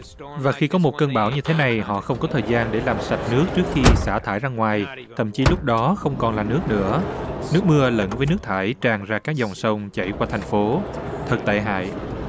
và khi có một cơn bão như thế này họ không có thời gian để làm sạch nước trước khi xả thải ra ngoài thậm chí lúc đó không còn là nước nữa nước mưa lẫn với nước thải tràn ra các dòng sông chảy qua thành phố thật tệ hại